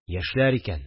Яшьләр икән